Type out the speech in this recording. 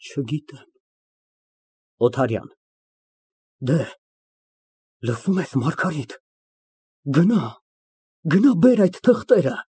Չգիտեմ։ ՕԹԱՐՅԱՆ ֊ Դեհ, լսո՞ւմ ես, Մարգարիտ, գնա բեր այն թղթերը։